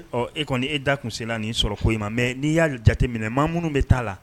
Ɔ e kɔni, e da kun sera nin sɔrɔ koyi ma mais n'i y'a jateminɛ maa minnu bɛ t'a la.